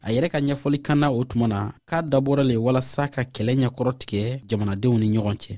a yɛrɛ ka ɲɛfɔlikan na o tuma na k'a dabɔra de walasa ka kɛlɛ ɲɛkɔrɔtigɛ jamanadenw ni ɲɔgɔn cɛ